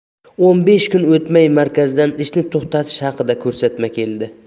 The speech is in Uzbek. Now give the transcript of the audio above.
o'n besh kun o'tmay markazdan ishni to'xtatish haqida ko'rsatma keldi